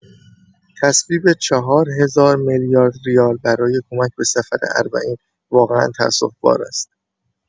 تصویب چهارهزار میلیارد ریال برای کمک به سفر اربعین واقعا تاسف‌بار است.